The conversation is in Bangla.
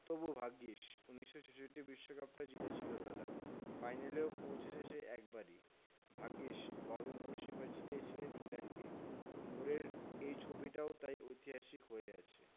তবু ভাগ্যিস ১৯৬৬ বিশ্বকাপটা জিতেছিল তারা ফাইনালেও পৌঁছেছে সেই একবারই ভাগ্যিস ববি মুর সেবার জিতিয়েছিলেন ইংল্যান্ডকে মুরের এই ছবিটাও তাই ঐতিহাসিক হয়ে আছে